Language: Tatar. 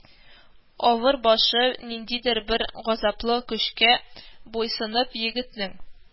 Авыр башы, ниндидер бер газаплы көчкә буйсынып, егетнең